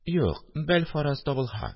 Юк, бәлфараз табылһа